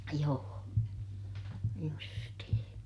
joo justiin